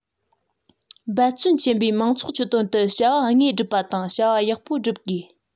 འབད བརྩོན ཆེན པོས མང ཚོགས ཀྱི དོན དུ བྱ བ དངོས སྒྲུབ པ དང བྱ བ ཡག པོ བསྒྲུབ དགོས